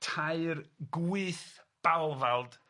tair gwyth balfod ynys Brydain.